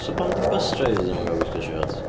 So pam 'di bus drivers ddim yn cael gwisgo siorts?